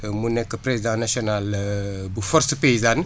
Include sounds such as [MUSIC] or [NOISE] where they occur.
mu nekk président national [HESITATION] bu force paysane